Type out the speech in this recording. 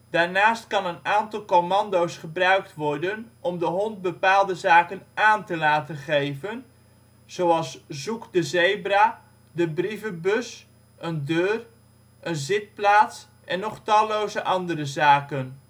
Daarnaast kan een aantal commando’ s gebruikt worden om de hond bepaalde zaken aan te laten geven, zoals zoek de zebra, de brievenbus, een deur, een zitplaats en nog talloze andere zaken